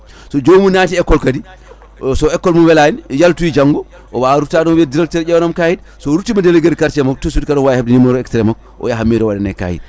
so jomum naati école kadi so école mum weelani yaltoyi janggo o wawa ruttade o wiya directeur ƴewanam kayit so ruttima délégué de quartier makko tout suit kadi omo wawi hebde numéro extrait makko o yaaha mairie o waɗane kayit